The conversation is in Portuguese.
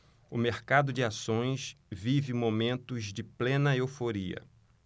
o mercado de ações vive momentos de plena euforia